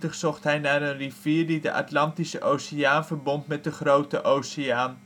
V. In 1520, zocht hij naar een rivier die de Atlantische Oceaan verbond met de Grote Oceaan